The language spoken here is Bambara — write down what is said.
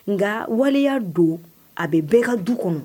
Nka wali yyaa don a bɛ bɛɛ ka du kɔnɔ